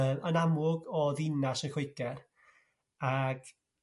Yrr yn amlwg o ddinas yn Lloger, ag